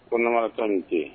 Ko ka ni ce